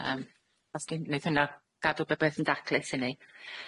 Yym os ti'n neith hunna gadw by- byth yn daclus i ni.